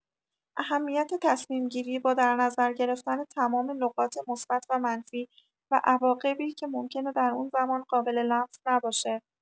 اهمیت تصمیم‌گیری با در نظر گرفتن تمام نقاط مثبت و منفی، و عواقبی که ممکنه در اون زمان قابل‌لمس نباشه.